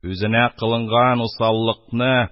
Үзенә кылынган усаллыкны